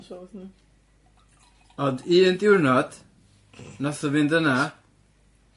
. Ond un diwrnod nath o fynd yna...